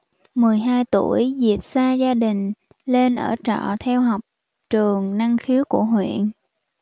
mười hai tuổi diệp xa gia đình lên ở trọ theo học trường năng khiếu của huyện